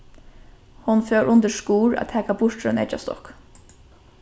hon fór undir skurð at taka burtur ein eggjastokk